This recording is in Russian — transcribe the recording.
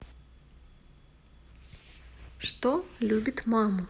что любит маму